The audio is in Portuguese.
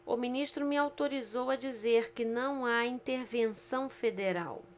o ministro me autorizou a dizer que não há intervenção federal